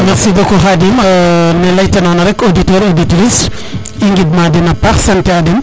merci beaucoup Khadim ne leyta nona rek auditeur auditrice i ngid ma dena a paax sante a den